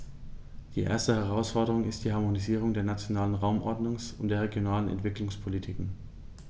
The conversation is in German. Die erste Herausforderung ist die Harmonisierung der nationalen Raumordnungs- und der regionalen Entwicklungspolitiken.